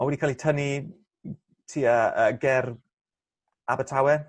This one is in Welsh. A wedi ca'l 'i tynnu ng- tua yy ger Abertawe.